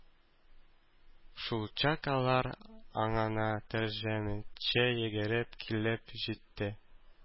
Шулчак алар янына тәрҗемәче йөгереп килеп җитте.